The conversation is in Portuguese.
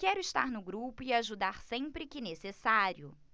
quero estar no grupo e ajudar sempre que necessário